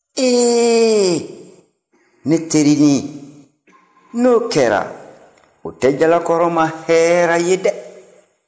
ɛɛ n terinin n'o kɛra o tɛ jalakɔrɔ ma hɛra ye dɛ